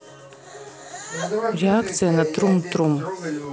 реакция на трум трум